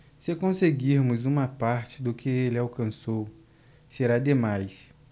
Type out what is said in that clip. se conseguirmos uma parte do que ele alcançou será demais